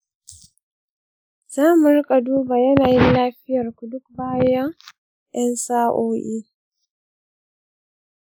za mu riƙa duba yanayin lafiyar ku duk bayan ƴan sa'o'i.